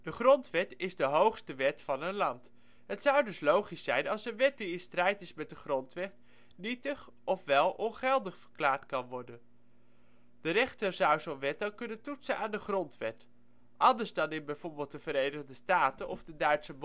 Grondwet is de hoogste wet van een land. Het zou dus logisch zijn als een wet die in strijd is met de Grondwet nietig ofwel ongeldig verklaard kan worden. De rechter zou zo 'n wet dan kunnen toetsen aan de Grondwet. Anders dan in bijvoorbeeld de Verenigde Staten of de Duitse